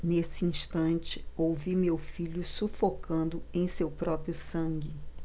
nesse instante ouvi meu filho sufocando em seu próprio sangue